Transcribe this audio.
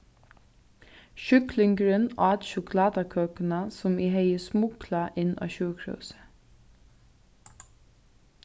sjúklingurin át sjokulátakøkuna sum eg hevði smuglað inn á sjúkrahúsið